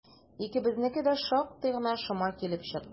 Икебезнеке дә шактый гына шома килеп чыкты.